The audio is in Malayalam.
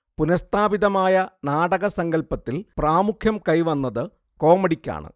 പുനഃസ്ഥാപിതമായ നാടകസങ്കല്പത്തിൽ പ്രാമുഖ്യം കൈവന്നത് കോമഡിക്കാണ്